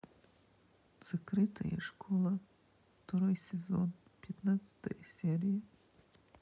закрытая школа второй сезон пятнадцатая серия